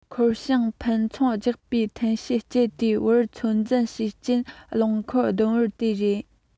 འཁོར བྱང ཕམ ཚོང རྒྱག པའི ཐབས ཤེས སྤྱད དེ བར ཚོད འཛིན བྱེད སྤྱད རླངས འཁོར བསྡོམས འབོར དེ རེད